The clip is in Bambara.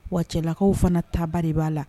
Wa cɛlakaw fana taba de b'a la